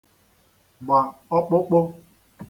gbà ọkpụkpụ